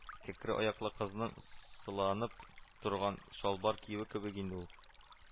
— кәкре аяклы кызның сыланып торган чалбар киюе кебек инде ул